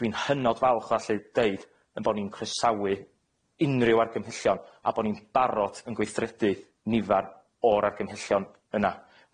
Dwi'n hynod falch allu deud yn bo' ni'n croesawu unrhyw argymhellion, a bo' ni'n barod yn gweithredu nifar o'r argymhellion yna.